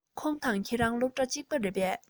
ཁོང དང ཁྱོད རང སློབ གྲྭ གཅིག རེད པས